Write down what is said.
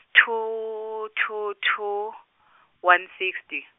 two two two, one fifty.